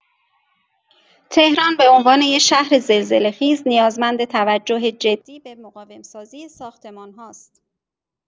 تهران به عنوان یک شهر زلزله‌خیز نیازمند توجه جدی به مقاوم‌سازی ساختمان‌ها است.